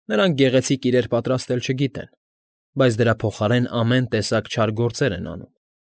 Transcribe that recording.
Նրանք գեղեցիկ իրեր պատրաստել չգիտեն, բայց դրա փոխարեն ամեն տեսակ չար գործեր են անում։